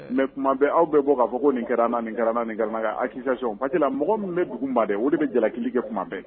Mɛ kuma bɛ aw bɛ bɔ k'a fɔ ko nin kɛra ni garananakansa pa mɔgɔ min bɛ duguba o de bɛ jalakili kɛ kuma bɛɛ